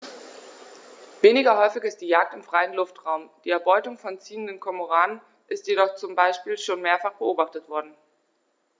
Weniger häufig ist die Jagd im freien Luftraum; die Erbeutung von ziehenden Kormoranen ist jedoch zum Beispiel schon mehrfach beobachtet worden.